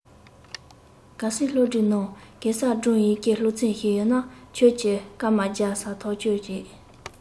གལ སྲིད སློབ གྲྭའི ནང གེ སར སྒྲུང ཡིག གི སློབ ཚན ཞིག ཡོད ན ཁྱོད ཀྱིས སྐར མ བརྒྱ ཟ ཐག གཅོད རེད